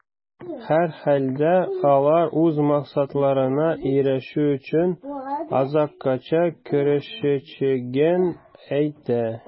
Һәрхәлдә, алар үз максатларына ирешү өчен, азаккача көрәшәчәген әйтә.